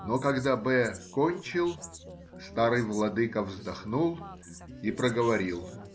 но когда Б. кончил, старый владыка вздохнул и проговорил